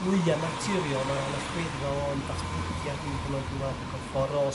mwyaf naturiol ma'n rhan allweddol o'n datblygiad ni pan ma'n dŵad i gorfforol